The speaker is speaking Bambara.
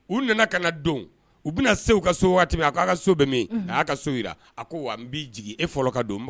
U nana ka don u bɛna se u ka so waati min a ko'a ka so bɛ min a y'a ka so yi a ko wa n b'i jigin e fɔlɔ ka don